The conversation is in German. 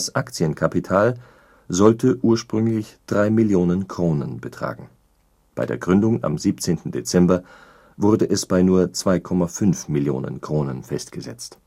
Aktienkapital sollte ursprünglich drei Millionen Kronen betragen, bei der Gründung am 17. Dezember wurde es bei nur 2,5 Millionen Kronen festgesetzt